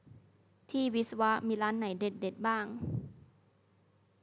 ที่วิศวะมีร้านไหนเด็ดเด็ดบ้าง